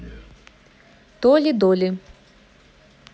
толи доли